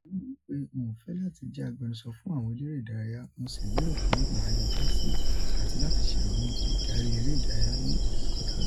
Doyle wi pe: “Mo n fẹ lati jẹ agbẹnusọ fun awọn elere idaraya mo si n lero pe maa le dasi ati lati seranwọ idari ere idaraya ni ilu Scotland.”